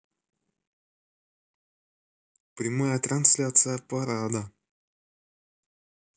прямая трансляция парада